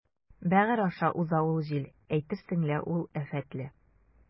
Бәгырь аша уза ул җил, әйтерсең лә ул афәтле.